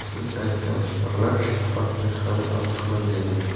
siz aytgan rashk fakti hali tasdiqlanmagan